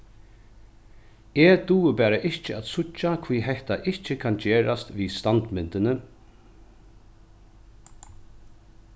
eg dugi bara ikki at síggja hví hetta ikki kann gerast við standmyndini